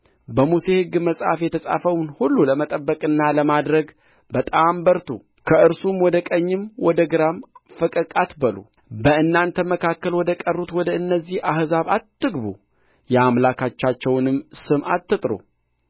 በሙሴ ሕግ መጽሐፍ የተጻፈውን ሁሉ ለመጠበቅና ለማድረግ በጣም በርቱ ከእርሱም ወደ ቀኝም ወደ ግራም ፈቀቅ አትበሉ በእናንተ መካከል ወደ ቀሩት ወደ እነዚህ አሕዛብ አትግቡ የአማልክቶቻቸውንም ስም አትጥሩ